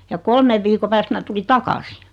ja kolmen viikon päästä minä tulin takaisin